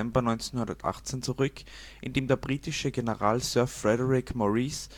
1918 zurück, in dem der britische General Sir Frederick Maurice